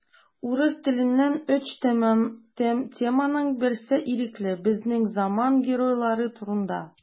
Урыс теленнән өч теманың берсе ирекле: безнең заман геройлары турында.